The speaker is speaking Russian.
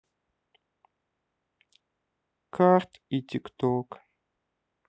карт и тик ток